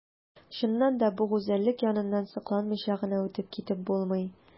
Чыннан да бу гүзәллек яныннан сокланмыйча гына үтеп китеп булмый.